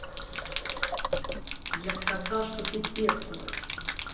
я сказал что ты бестолочь